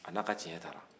a' n'a ka tiɲɛ taara